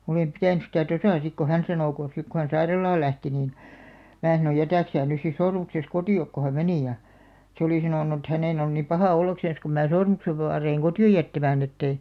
olen pitänyt sitä tuossa sitten kun hän sanoi kun sitten kun hän sairaalaan lähti niin minä sanoin jätä sinä nyt sitten sormuksesi kotiin kun hän meni ja se oli sanonut että hänen on niin paha olla kun minä sormuksen vaadin kotiin jättämään että ei